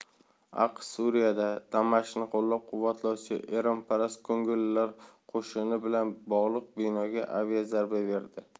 aqsh suriyada damashqni qo'llab quvvatlovchi eronparast ko'ngillilar qo'shini bilan bog'liq binoga aviazarba berdi